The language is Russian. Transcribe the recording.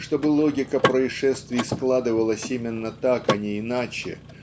чтобы логика происшествий складывалась именно так а не иначе